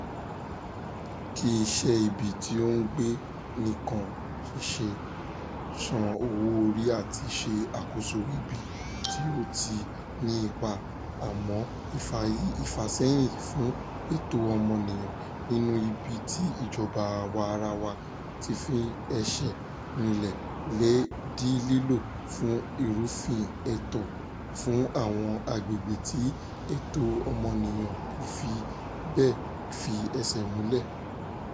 Kì í ṣe ibi tí ò ń gbé nìkan, ṣiṣẹ́, san owó orí àti ṣe àkóso ibi tí ó ti ní ipa, àmọ́ ìfàsẹ́yìn fún ẹ̀tọ́ ọmọnìyàn nínú ibi tí ìjọba àwa-arawa ti fi ẹsẹ̀ rinlẹ̀ lè di lílò fún ìrúfin ẹ̀tọ́ ní àwọn agbègbè tí ẹ̀tọ́ ọmọnìyàn kò fi bẹ́ẹ̀ fi ẹsẹ̀ múlẹ̀.